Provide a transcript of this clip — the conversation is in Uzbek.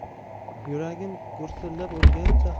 yuragim gursillab urgancha